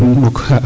Mukk xa'aa